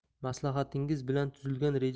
maslahatingiz bilan tuzilgan